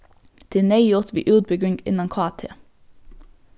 tað er neyðugt við útbúgving innan kt